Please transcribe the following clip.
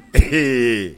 Ɛɛ